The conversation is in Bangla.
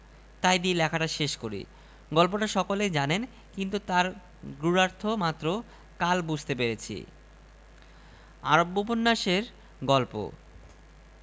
তাই দিয়ে লেখাটা শেষ করি গল্পটা সকলেই জানেন কিন্তু তার গূঢ়ার্থ মাত্র কাল বুঝতে পেরেছি আরব্যোপন্যাসের গল্প